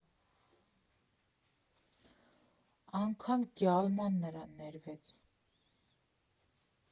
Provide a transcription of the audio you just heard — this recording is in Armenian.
Անգամ «գյալմա»֊ն նրան ներվեց։